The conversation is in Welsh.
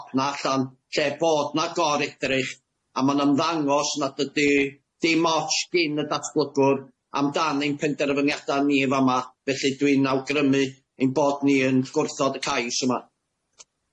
'na allan lle bod 'na go'r edrych a ma'n ymddangos nad ydi dim ots gin y datblygwr amdan ein penderfyniada ni fama ,felly dwi'n awgrymu ein bod ni yn gwrthod y cais yma.